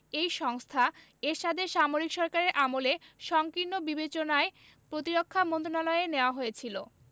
এই সংস্থা এরশাদের সামরিক সরকারের আমলে সংকীর্ণ বিবেচনায় প্রতিরক্ষা মন্ত্রণালয়ে নেওয়া হয়েছিল